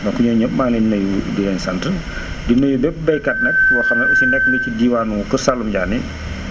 donc ñooñu ñëpp maa ngi leen di nuyu di leen sant di nuyu bépp baykat nag boo xam ne aussi nekk nga si diiwaanu kër Saalum Ndiané